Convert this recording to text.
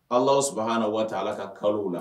Alaaw saba na waati ala ka kalo la